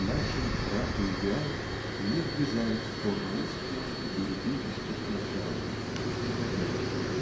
Нашей правды идеал Не влезает в формы узкие Юридических начал и т. д.